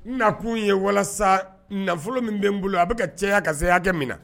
Na kun ye walasa nafolo min bɛ n bolo a bɛka ka caya ka se kɛ min na